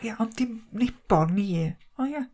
Ia ond dim Nebo ni, o ia?